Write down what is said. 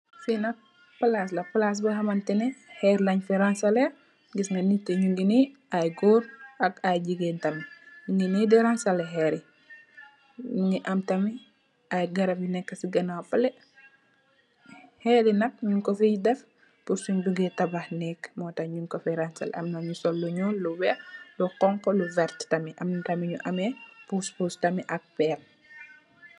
Le nak palace palace bu ametely herie rensiransily geiney nei neety nuneene nei goor ak geigai tamit nu nei de ransily herie nu nei man tamit nei garba nu neeka feily herie ak yonkufidaf pul sun bogai tatba neer mo ta nonkufiransily man na nu sul lu nuul lu weex lu jorko lu werty tamit man na tamit nu amei pospos tamit ak peile